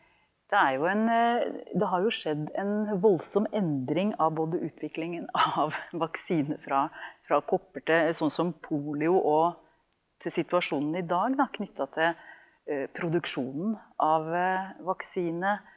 det er jo en det har jo skjedd en voldsom endring av både utviklingen av vaksiner fra fra kopper til sånn som polio og til situasjonen i dag da knytta til produksjonen av vaksine.